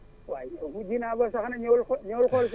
waay yow du ji naa ba sax na ñëwal xo ñëwal xool